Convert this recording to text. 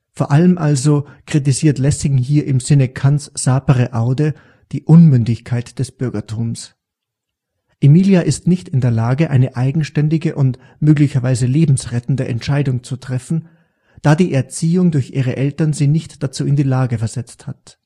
Vor allem also kritisiert Lessing hier im Sinne Kants sapere aude die Unmündigkeit des Bürgertums. Emilia ist nicht in der Lage, eine eigenständige und möglicherweise lebensrettende Entscheidung zu treffen, da die Erziehung durch ihre Eltern sie nicht dazu in die Lage versetzt hat